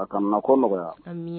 Ka kɔnɔ ko nɔgɔya, amina